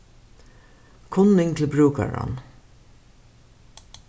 kunning til brúkaran